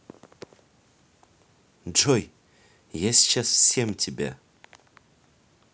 джой я сейчас всем тебя